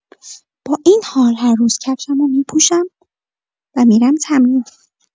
با این حال، هر روز کفشمو می‌پوشم و می‌رم تمرین.